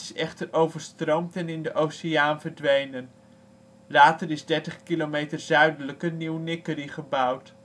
echter overstroomd en in de oceaan verdwenen; later is 30 kilometer zuidelijker Nieuw Nickerie gebouwd